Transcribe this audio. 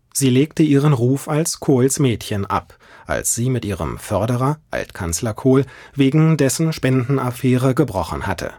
Sie legte ihren Ruf als „ Kohls Mädel “ab, als sie mit ihrem Förderer, Altkanzler Kohl, wegen dessen Spendenaffäre gebrochen hatte